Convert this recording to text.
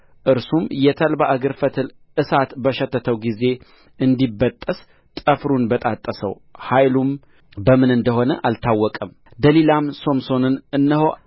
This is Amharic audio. እርሱም የተልባ እግር ፈትል እሳት በሸተተው ጊዜ እንዲበጠስ ጠፍሩን በጣጠሰው ኃይሉም በምን እንደ ሆነ አልታወቀም ደሊላም ሶምሶንን እነሆ